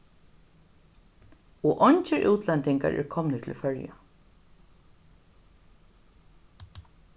og eingir útlendingar eru komnir til føroya